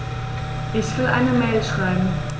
Ich will eine Mail schreiben.